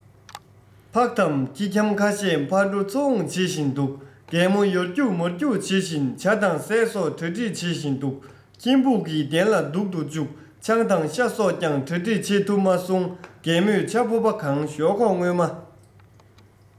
ཕག དང ཁྱི འཁྱམ ཁ ཤས ཕར འགྲོ ཚུར འོང བྱེད བཞིན འདུག རྒད མོ ཡར རྒྱུག མར རྒྱུག བྱེད བཞིན ཇ དང ཟས སོགས གྲ སྒྲིག བྱེད བཞིན འདུག ཁྱིམ ཕུག གི གདན ལ འདུག ཏུ བཅུག ཆང དང ཤ སོགས ཀྱང གྲ སྒྲིག བྱེད ཐུབ མ སོང རྒད མོས ཇ ཕོར པ གང ཞོག ཁོག བརྔོས མ